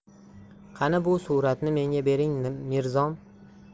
qani bu suratni menga bering mirzom